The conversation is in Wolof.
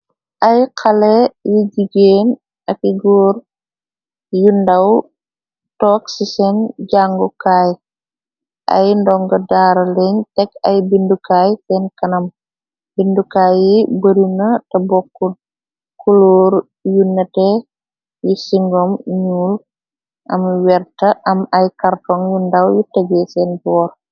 Ay xale yi jigéen aki góor yu ndaw toog ci seen jàngukaay, ay ndonga daara leeñ teg ay bindukaay seen kanam. Bindukaay yi bari na te bokk , kulóor yu nete , yi singom nuul am werta am ay kartoŋg yu ndaw yu tegee seen boor.